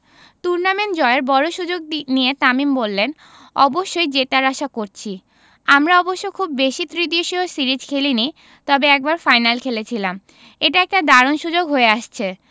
tournament জয়ের বড় সুযোগ নিয়ে তামিম বললেন অবশ্যই জেতার আশা করছি আমরা অবশ্য খুব বেশি ত্রিদেশীয় সিরিজ খেলেনি তবে একবার ফাইনাল খেলেছিলাম এটা একটা দারুণ সুযোগ হয়ে আসছে